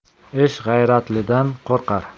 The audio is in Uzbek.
ish g'ayratlidan qo'rqar